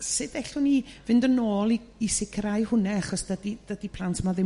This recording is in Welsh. sut ellwn ni fynd yn ôl i i sicr'au hwnne achos dydi dydi plant 'ma ddim